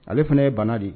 Ale fana ye bana de ye